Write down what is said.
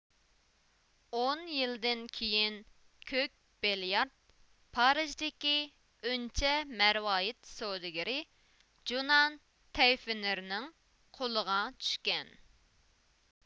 ئون يىلدىن كېيىن كۆك بىليارت پارىژدىكى ئۈنچە مەرۋايىت سودىگىرى جۇنان تەيفىنېرنىڭ قولىغا چۈشكەن